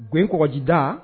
Gɔgɔjida